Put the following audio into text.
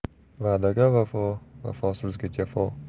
gul bahona diydor g'animat